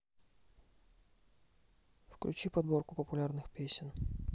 включи подборку популярных песен